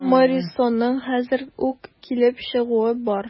Дон Морисионың хәзер үк килеп чыгуы бар.